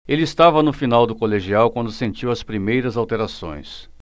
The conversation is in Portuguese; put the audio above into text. ele estava no final do colegial quando sentiu as primeiras alterações